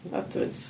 Adverts.